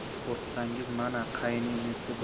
qo'rqsangiz mana qayin inisi